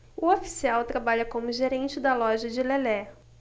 o oficial trabalha como gerente da loja de lelé